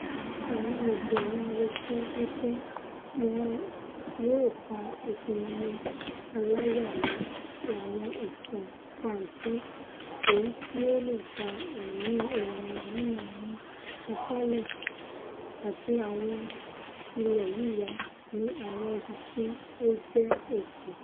Àwọn òjò ni a rètí wí pé wọn yóò fa ìkún-omi aláyalù àti àwọn ìsàn pàǹtí èyití ó leè gba ẹ̀mí ènìyàn nínú àwọn asálẹ̀, àti àwọn ilẹ̀ yíya ní awọn ibití ó jẹ́ òkè.